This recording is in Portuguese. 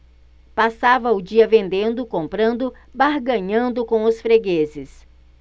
passava o dia vendendo comprando barganhando com os fregueses